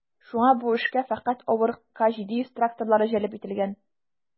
Шуңа бу эшкә фәкать авыр К-700 тракторлары җәлеп ителгән.